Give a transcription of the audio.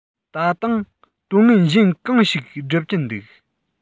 ད དུང དོན ངན གཞན གང ཞིག སྒྲུབ ཀྱིན འདུག